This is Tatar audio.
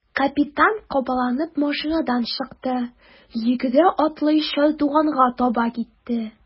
Капитан кабаланып машинадан чыкты, йөгерә-атлый чардуганга таба китте.